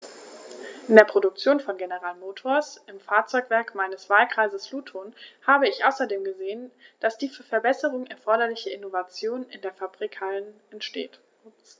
In der Produktion von General Motors, im Fahrzeugwerk meines Wahlkreises Luton, habe ich außerdem gesehen, dass die für Verbesserungen erforderliche Innovation in den Fabrikhallen entsteht.